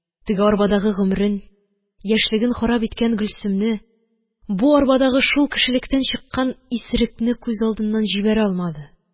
Теге арбадагы гомерен, яшьлеген харап иткән Гөлсемне, бу арбадагы шул кешелектән чыккан исерекне күз алдыннан җибәрә алмады